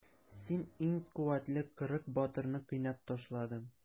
Син иң куәтле кырык батырны кыйнап ташладың.